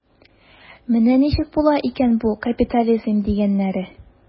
Менә ничек була икән бу капитализм дигәннәре.